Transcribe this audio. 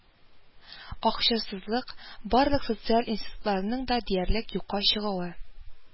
Акчасызлык, барлык социаль институтларның да диярлек юкка чыгуы,